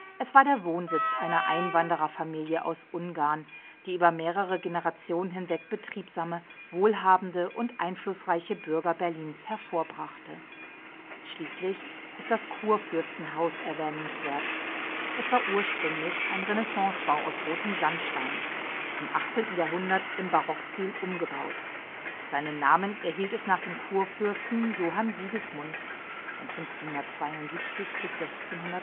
Es war der Wohnsitz einer Einwandererfamilie aus Ungarn, die über mehrere Generationen hinweg betriebsame, wohlhabende und einflussreiche Bürger Berlins hervorbrachte. Schließlich ist das Kurfürstenhaus erwähnenswert. Es war ursprünglich ein Renaissancebau aus rotem Sandstein, im 18. Jahrhundert im Barockstil umgebaut. Seinen Namen erhielt es nach dem Kurfürsten Johann Sigismund (1572 – 1619